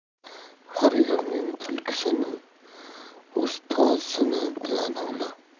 har yerning tulkisini o'z tozisi bilan ovla